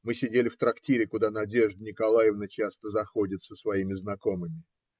Мы сидели в трактире, куда Надежда Николаевна часто заходит со своими знакомыми.